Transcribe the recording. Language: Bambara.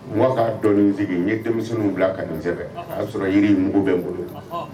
Makan'a dɔnsigi ye denmisɛnninw bila ka nin sɛbɛn a y' sɔrɔ yiri mugu bɛɛ n bolo